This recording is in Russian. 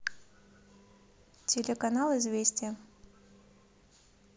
телеканал известия